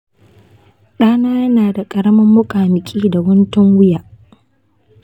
ɗana yana da ƙaramin muƙamuƙi da guntun wuya.